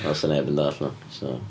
Oes na neb yn dalld nhw so...